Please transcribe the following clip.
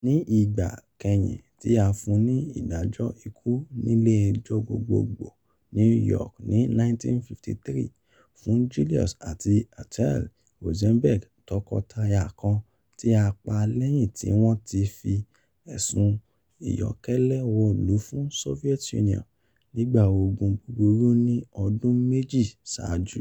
Ní ìgbà ìkẹyìn tí a fun ní ìdájọ́ ikú nílé ẹjọ́ Gbogboogbo New York ní 1953 fún Julius àti Ethel Rosenberg, tọkọtaya kan tí a pa lẹyìn tí wọn ti fi ẹ̀sùn ìyọ́kẹ́lẹ́ wọ̀lú fún Soviet Union nígbà ogun búburú ní ọdún méjì ṣáájú.